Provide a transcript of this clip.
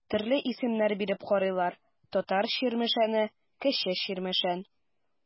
Төрле исемнәр биреп карыйлар: Татар Чирмешәне, Кече Чирмешән.